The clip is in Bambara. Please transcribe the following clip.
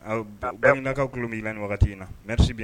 Bamanankaw kulu b'i na ɲɔgɔn na mɛ